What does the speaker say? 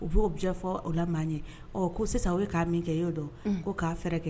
U b'o jɛfɔ aw la' ɲɛ ko sisan u bɛ k'a min kɛ y'o dɔn ko k'a fɛɛrɛ kɛ